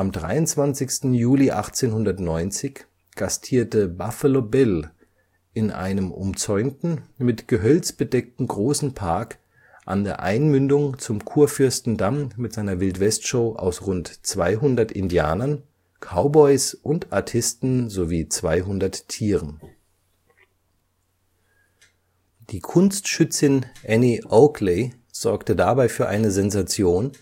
23. Juli 1890 gastierte Buffalo Bill „ in einem umzäunten, mit Gehölz bedeckten großen Parke “an der Einmündung zum Kurfürstendamm mit seiner Wildwestshow aus rund zweihundert Indianern, Cowboys und Artisten sowie zweihundert Tieren. Die Kunstschützin Annie Oakley sorgte dabei für eine Sensation